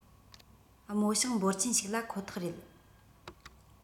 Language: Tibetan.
རྨོ ཞིང འབོར ཆེན ཞིག ལ ཁོ ཐག རེད